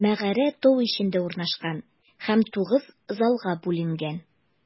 Мәгарә тау эчендә урнашкан һәм тугыз залга бүленгән.